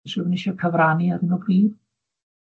O's rwun isio cyfrannu ar hyn o bryd?